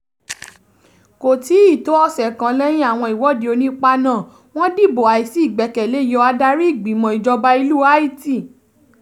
Kò tíì tó ọ̀sẹ̀ kan lẹ́yìn àwọn ìwọ́de onípá náà, wọ́n dìbò àìsí ìgbẹ̀kẹ̀lẹ́ yọ Adarí Ìgbìmọ̀ Ìjọba ìlú Haiti.